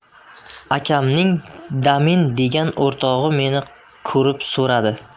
akamning damin degan o'rtog'i meni ko'rib so'radi